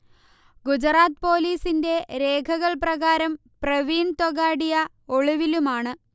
ഗുജറാത്ത് പൊലീസിന്റെ രേഖകൾപ്രകാരം പ്രവീൺ തൊഗാഡിയ ഒളിവിലുമാണ്